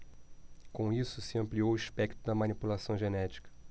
com isso se ampliou o espectro da manipulação genética